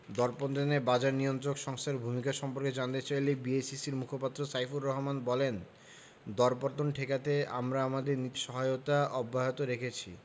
দরপতনের বাজারে নিয়ন্ত্রক সংস্থার ভূমিকা সম্পর্কে জানতে চাইলে বিএসইসির মুখপাত্র সাইফুর রহমান বলেন দরপতন ঠেকাতে আমরা আমাদের নীতি সহায়তা অব্যাহত রেখেছি